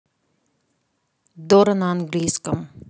дора на английском